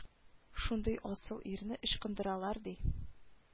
Шундый асыл ирне ычкындыралар ди